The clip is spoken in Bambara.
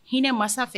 Hinɛ mansa fɛ